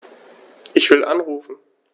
Ich will anrufen.